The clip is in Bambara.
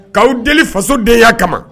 'aw deli faso de y' kama